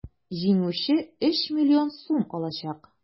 Җиңүче 3 млн сум алачак.